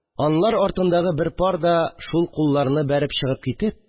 Анлар артындагы бер пар да, шул кулларны бәреп чыгып китеп,